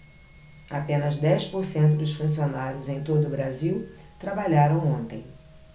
apenas dez por cento dos funcionários em todo brasil trabalharam ontem